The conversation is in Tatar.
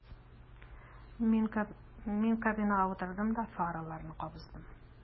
Мин кабинага утырдым да фараларны кабыздым.